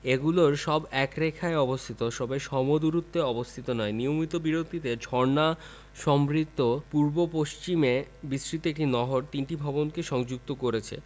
গুলির সব একই রেখায় অবস্থিত তবে সম দূরত্বে অবস্থিত নয় নিয়মিত বিরতিতে ঝর্ণা সমৃদ্ধ পূর্ব পশ্চিমে বিস্তৃত একটি নহর তিনটি ভবনকে সংযুক্ত করেছে